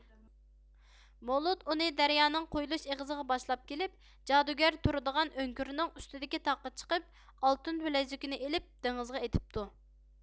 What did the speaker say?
مولۇد ئۇنى دەريانىڭ قۇيۇلۇش ئېغىزىغا باشلاپ كېلىپ جادۇگەر تۇرىدىغان ئۆڭكۈرنىڭ ئۈستىدىكى تاغقا چىقىپ ئالتۇن بىلەيزۈكىنى ئېلىپ دېڭىزغا ئېتىپتۇ